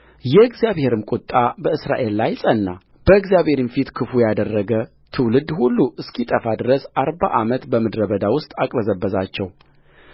የእግዚአብሔርም ቍጣ በእስራኤል ላይ ጸና በእግዚአብሔርም ፊት ክፉ ያደረገ ትውልድ ሁሉ እስኪጠፋ ድረስ አርባ ዓመት በምድረ በዳ ውስጥ አቅበዘበዛቸው